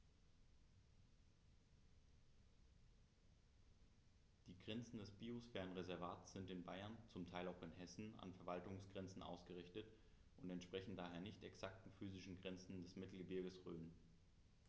Die Grenzen des Biosphärenreservates sind in Bayern, zum Teil auch in Hessen, an Verwaltungsgrenzen ausgerichtet und entsprechen daher nicht exakten physischen Grenzen des Mittelgebirges Rhön.